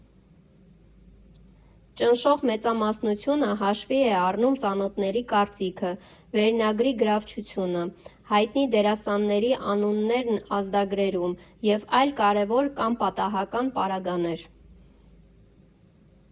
Ճնշող մեծամասնությունը հաշվի է առնում ծանոթների կարծիքը, վերնագրի գրավչությունը, հայտնի դերասանների անուններն ազդագրերում և այլ կարևոր կամ պատահական պարագաներ։